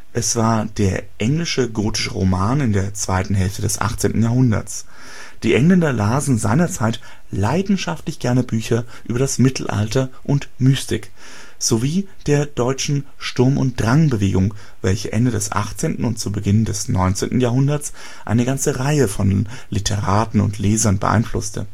Es war der englische gotische Roman in der zweiten Hälfte des 18. Jahrhunderts. Die Engländer lasen seinerzeit leidenschaftlich gerne Bücher über das Mittelalter und Mystik, sowie der deutschen Sturm-und-Drang-Bewegung, welche Ende des 18. und zu Beginn des 19. Jahrhunderts eine ganze Reihe von Literaten und Lesern beeinflusste